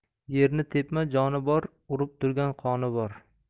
yerni tepma joni bor urib turgan qoni bor